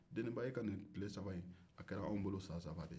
deniba e ka nin tile saba a kɛra an bolo san saba de ye